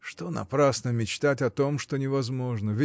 — Что напрасно мечтать о том, что невозможно!